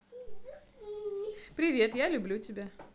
привет я люблю тебя